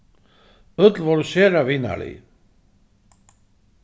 øll vóru sera vinarlig